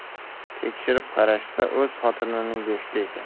tekshirib qarashsa o'z xotinining go'shti ekan